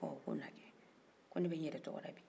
ɔh ko bɛna kɛ ko ne bɛ n yɛrɛ tɔgɔ da bi